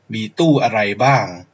มีตู้อะไรบ้าง